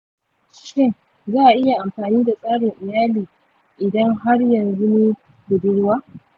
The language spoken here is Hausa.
shin za a iya amfani da tsarin iyali idan har yanzu ni budurwa ?